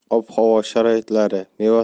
ob havo sharoitlari meva